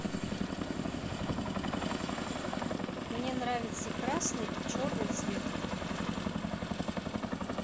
мне нравится красный и черный цвет